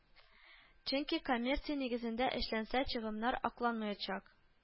Чөнки коммерция нигезендә эшләнсә, чыгымнар акланмаячак